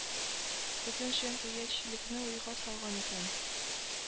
Бөтен җәмәгатьчелекне уйга салган и к ә н